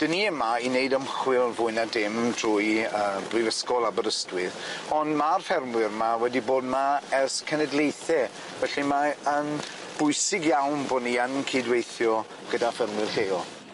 'Dyn ni yma i neud ymchwil fwy na dim drwy yy Brifysgol Aberystwyth on' ma'r ffermwyr 'ma wedi bod 'ma ers cenedlaethe felly mae yn bwysig iawn bo' ni yn cydweithio gyda ffermwyr lleol.